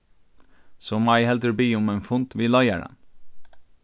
so má eg heldur biðja um ein fund við leiðaran